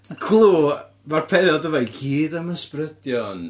Cliw, ma'r pennawd yma i gyd am ysbrydion.